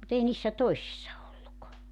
mutta ei niissä toisissa ollut